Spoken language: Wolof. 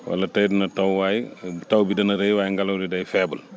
wala tey dina taw waaye taw bi dana rëy waaye ngelaw li day faible